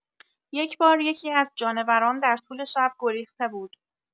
یک‌بار یکی‌از جانوران در طول شب گریخته بود.